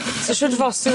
A shwd fos yw...